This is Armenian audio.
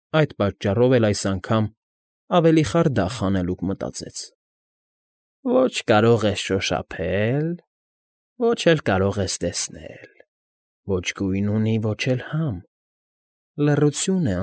Այդ պատճառով էլ այս անգամ ավելի խարդախ հանելուկ մտածեց. Ոչ կարող ես շոշափել, Ոչ էլ կարող ես տեսնել, Ոչ գույն ունի, ոչ էլ համ, Լռություն է։